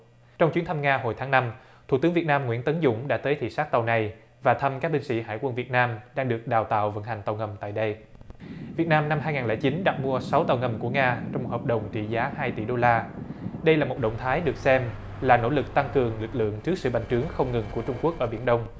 trong chuyến thăm nga hồi tháng năm thủ tướng việt nam nguyễn tấn dũng đã tới thị sát tàu này và thăm các binh sĩ hải quân việt nam đang được đào tạo vận hành tàu ngầm tại đây việt nam năm hai ngàn lẻ chín đặt mua sáu tàu ngầm của nga trong hợp đồng trị giá hai tỷ đô la đây là một động thái được xem là nỗ lực tăng cường lực lượng trước sự bành trướng không ngừng của trung quốc ở biển đông